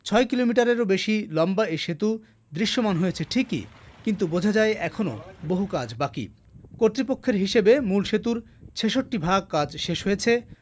৬ কিলোমিটারেরও বেশি লম্বা এ সেতু দৃশ্যমান হয়েছে ঠিকই কিন্তু বোঝা যায় এখনো বহু কাজ বাকি কর্তৃপক্ষের হিসেবে মূল সেতুর ৬৬ ভাগ কাজ শেষ হয়েছে